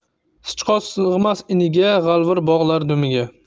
sichqon sig'mas iniga g'alvir bog'lar dumiga